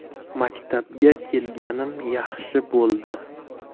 maktabga kelganim yaxshi bo'ldi